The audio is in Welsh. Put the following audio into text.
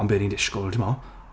ond be ti'n disgwyl timod.